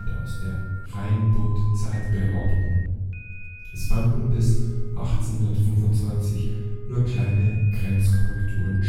aus der Rheinbundzeit behaupten, es fanden bis 1825 nur kleine Grenzkorrekturen